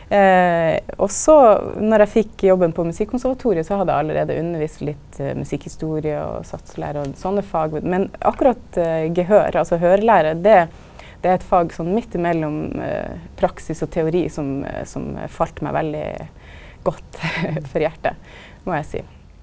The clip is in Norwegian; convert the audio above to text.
og så når eg fekk jobben på musikkonservatoriet så hadde eg allereie undervist litt musikkhistorie og satslære og sånne fag, men men akkurat gehør altså høyrelære, det det er eit fag sånn midt imellom praksis og teori som som fall meg veldig godt for hjartet må eg seia.